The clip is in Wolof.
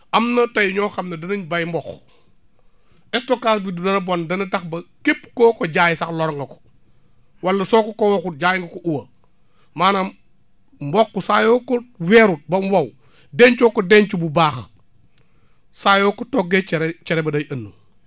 am na tey ñoo xam ne danañ bay mboq stockage bu dana bon dana tax ba képp koo ko jaay sax lor nga ko wala soo ko ko waxut jaay nga ko * maanaam mboq saa yoo ko weerut ba mu wow dencoo ko denc bu baax saa yoo ko toggee cere cere ba day ënn